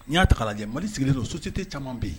N y'a ta kala lajɛ mali sigilen don sosi tɛ caman bɛ yen